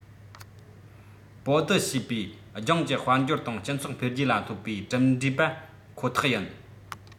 པའོ ཏི ཞེས པའི ལྗོངས ཀྱི དཔལ འབྱོར དང སྤྱི ཚོགས འཕེལ རྒྱས ལ ཐོབ པའི གྲུབ འབྲས པ ཁོ ཐག ཡིན